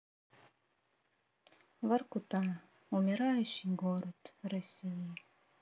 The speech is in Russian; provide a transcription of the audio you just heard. воркута умирающий город россии